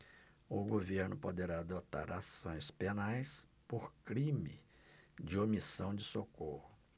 o governo poderá adotar ações penais por crime de omissão de socorro